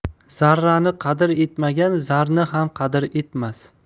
zarrani qadr etmagan zarni ham qadr etmas